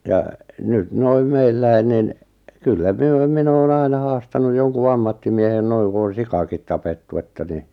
ja nyt noin meillä niin kyllä me minä olen aina haastanut jonkun ammattimiehen noin kun on sikakin tapettu että niin